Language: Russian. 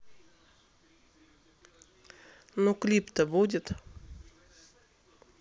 ну клип то будет